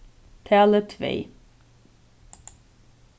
talið tvey